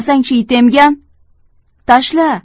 it emgan tashla